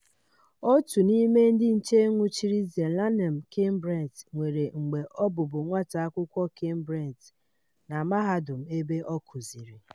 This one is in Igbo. Ótù n'ime ndị nche nwụchiri Zelalem Kibret nwere mgbe ọ bụbu nwata akwụkwọ Kibret na mahadum ebe ọ kuziri.